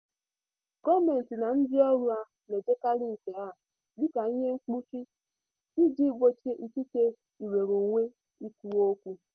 Gọọmentị na ndịọrụ ha na-ejikarị nke a dịka ihe mkpuchi iji gbochie ikike nnwereonwe ikwu okwu.